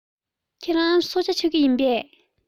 ཁྱོད རང གསོལ ཇ མཆོད ཀས ཡིན པས